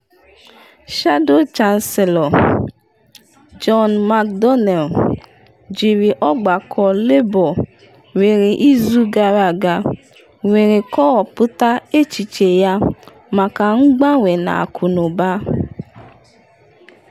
Shadow Chancellor John McDonnell jiri ọgbakọ Labour mere izu gara aga were kọwapụta echiche ya maka mgbanwe na akụnụba.